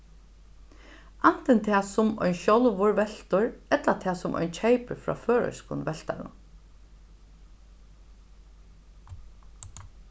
antin tað sum ein sjálvur veltur ella tað sum ein keypir frá føroyskum veltarum